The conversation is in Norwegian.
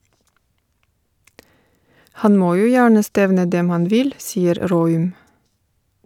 Han må jo gjerne stevne dem han vil, sier Raaum.